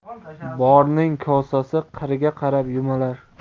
borning kosasi qirga qarab yumalar